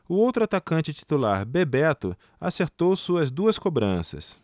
o outro atacante titular bebeto acertou suas duas cobranças